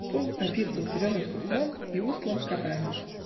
пол обит был зеленым сукном и устлан коврами.